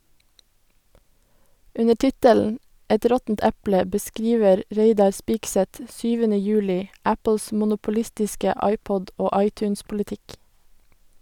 Under tittelen "Et råttent eple" beskriver Reidar Spigseth 7. juli Apples monopolistiske iPod- og iTunes-politikk.